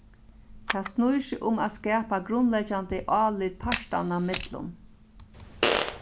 tað snýr seg um at skapa grundleggjandi álit partanna millum